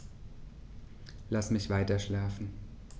Lass mich weiterschlafen.